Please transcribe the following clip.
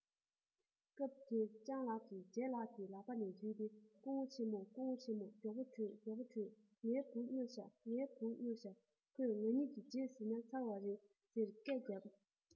སྐབས དེར སྤྱང ལགས ཀྱིས ལྗད ལགས ཀྱི ལག པ ནས ཇུས ཏེ སྐུ ངོ ཆེན མོ སྐུ ངོ ཆེན མོ མགྱོགས པོ བྲོས མགྱོགས པོ བྲོས ངའི བུ སྨྱོ བཞག ངའི བུ སྨྱོ བཞག ཁོས ང གཉིས ཀྱི རྗེས ཟིན ན ཚར བ རེད ཤི རྒྱུ མ གཏོགས ཡོད མ རེད ཟེར སྐད རྒྱབ